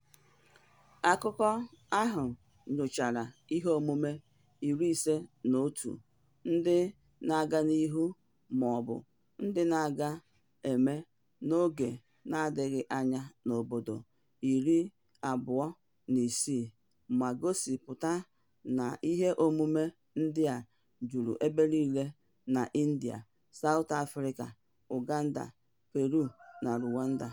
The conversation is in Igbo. Akụkọ ahụ nyochara iheomume 51 ndị na-aga n'ihu maọbụ ndị a ga-eme n'oge na-adịghị anya n'obodo 26, ma gosịpụta na iheomume ndị a juru ebe niile n'India, South Africa, Uganda, Peru, na Rwanda.